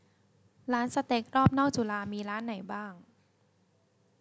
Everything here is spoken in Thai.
ร้านสเต็กรอบนอกจุฬามีร้านไหนบ้าง